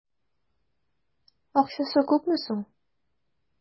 Акчасы күпме соң?